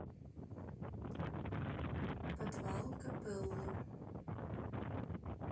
подвал копеллы